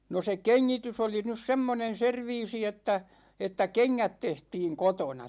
no se kengitys oli nyt semmoinen serviisi että että kengät tehtiin kotona